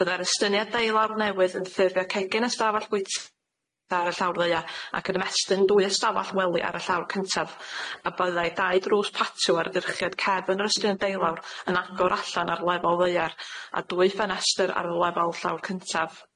Byddai'r estyniad deulawr newydd yn ffurfio cegin y stafall bwyta ar y llawr ddaear ac yn ymestyn dwy ystafall wely ar y llawr cyntaf, a byddai dau drws patio ar y dyrchiad cefn yr estyniad deilawr yn agor allan ar lefel ddaear, a dwy ffenestr ar y lefel llawr cyntaf.